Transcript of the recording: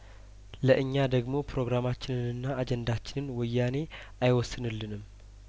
ለእኛ ደግሞ ፕሮግራማችንንና አጀንዳችንን ወያኔ አይወስንልንም